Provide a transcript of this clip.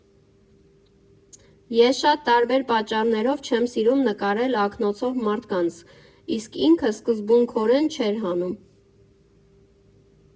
Ես շատ տարբեր պատճառներով չեմ սիրում նկարել ակնոցով մարդկանց, իսկ ինքը սկզբունքորեն չէր հանում։